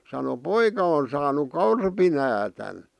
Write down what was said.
sanoi poika on saanut korpinäädän